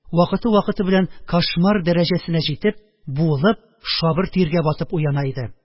Вакыты-вакыты белән кошмар дәрәҗәсенә җитеп, буылып, шабыр тиргә батып уяна иде.